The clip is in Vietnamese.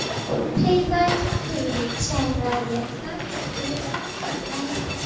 thi ba chung thì điểm sàn là giải pháp tình thế tốt nhất hiện nay